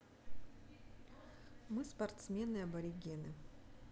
мы спортсмены аборигены